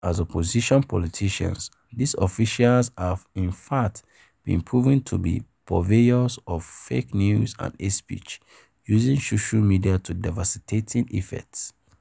As opposition politicians, these officials have in fact been proven to be purveyors of fake news and hate speech, using social media to devastating effects.